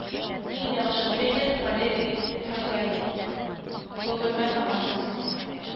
Иң яхшы тренер – Валерий Хаҗаев Бөгелмә командасы